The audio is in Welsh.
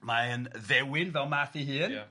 mae'n ddewin fel Math ei hun... Ia...